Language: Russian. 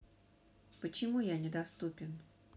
почему я недоступен